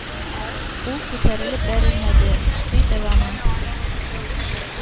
Ул күтәрелеп бәрелмәде, ты дәвамы